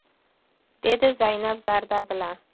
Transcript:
dedi zaynab zarda bilan